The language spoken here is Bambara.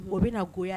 O bɛ na goya